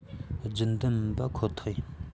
རྒྱུན ལྡན མིན པ ཁོ ཐག ཡིན